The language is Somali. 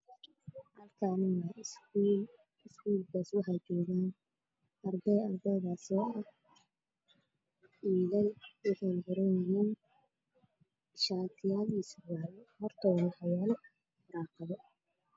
Halkaan waa iskuul waxaa joogo arday wiilal ah waxay wataan shaatiyo iyo surwaalo hortooda waxaa kuyaala daaqado.